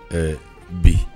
Ɛɛ bi